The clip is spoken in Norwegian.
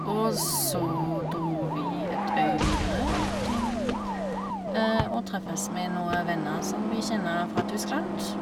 Og så dro vi et øy videre, til å treffes med noe venner som vi kjenner fra Tyskland.